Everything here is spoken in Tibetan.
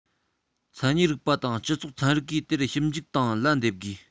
མཚན ཉིད རིག པ དང སྤྱི ཚོགས ཚན རིག གིས དེར ཞིབ འཇུག དང ལན འདེབས དགོས